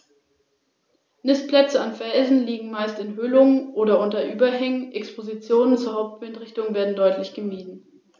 Häufig jagen sie auch von einem Ansitz aus.